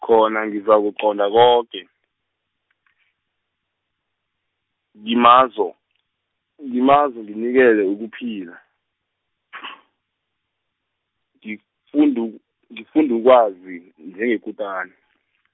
khona ngizakuqonda koke , ngumazo , ngumazo nginikele ukuphila, ngifunduk- ngifundukwazi n- njengekutani.